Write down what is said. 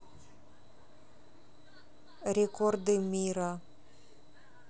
рекорды мира